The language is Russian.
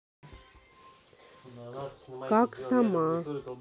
как сама